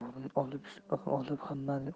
sovrinni olib hammaning